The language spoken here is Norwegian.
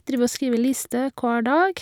Driver og skriver liste hver dag.